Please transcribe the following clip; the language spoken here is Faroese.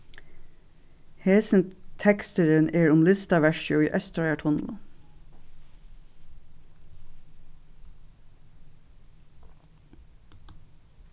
hesin teksturin er um listaverkið í eysturoyartunlinum